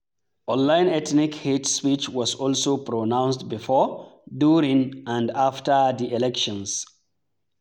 Online ethnic hate speech was also pronounced before, during and after the elections.